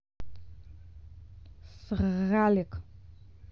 сралик